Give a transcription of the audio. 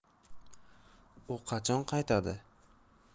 u qachon qaytadi